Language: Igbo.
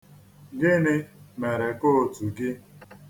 Gịnị mere kootu gị?